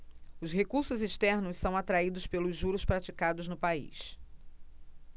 os recursos externos são atraídos pelos juros praticados no país